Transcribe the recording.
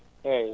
eeyi